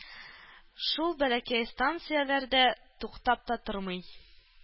Шул бәләкәй станцияләрдә туктап та тормый.